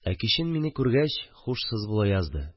Ә кичен мине күргәч һушсыз була язды